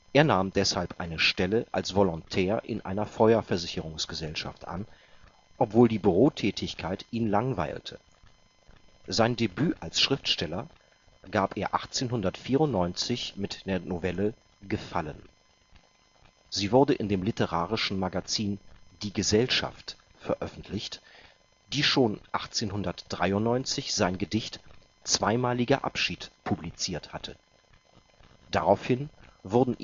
Er nahm deshalb eine Stelle als Volontär in einer Feuerversicherungsgesellschaft an, obwohl die Bürotätigkeit ihn langweilte. Sein Debüt als Schriftsteller gab er 1894 mit der Novelle Gefallen. Sie wurde in dem literarischen Magazin Die Gesellschaft veröffentlicht, die schon 1893 sein Gedicht Zweimaliger Abschied publiziert hatte. Daraufhin wurden